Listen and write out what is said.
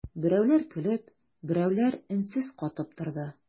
Берәүләр көлеп, берәүләр өнсез катып торды.